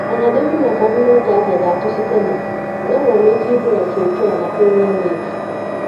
“Ọganihu maka m n’oge a ka a ga-atụ site na “enwere m ike idughachi otu a na Premier League?’